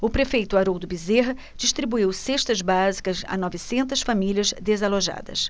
o prefeito haroldo bezerra distribuiu cestas básicas a novecentas famílias desalojadas